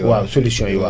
waaw solutions yi waaw